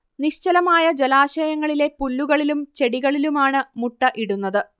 നിശ്ചലമായ ജലാശയങ്ങളിലെ പുല്ലുകളിലും ചെടികളിലുമാണ് മുട്ട ഇടുന്നത്